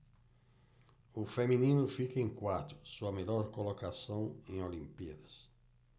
o feminino fica em quarto sua melhor colocação em olimpíadas